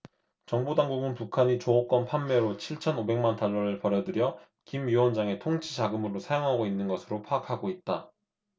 정보당국은 북한이 조업권 판매로 칠천 오백 만 달러를 벌어들여 김 위원장의 통치자금으로 사용하고 있는 것으로 파악하고 있다